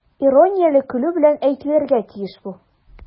Иронияле көлү белән әйтелергә тиеш бу.